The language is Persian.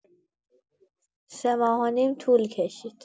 ۳ ماه و نیم طول کشید.